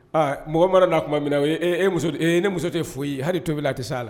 Aa mɔgɔ mana n'a tuma min na ne muso tɛ foyi ye hali tobibili a tɛ' a la